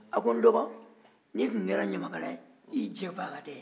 a ko n dɔgɔ n'i tun kɛra ɲamakala ye i jɛnbaga tɛ